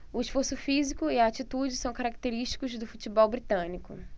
o esforço físico e a atitude são característicos do futebol britânico